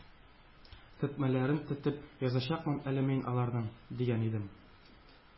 Тетмәләрен тетеп язачакмын әле мин аларның“, — дигән идем.